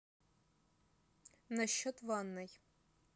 насчет ванной